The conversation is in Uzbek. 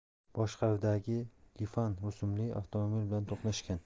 boshqavidagi lifan rusumli avtomobil bilan to'qnashgan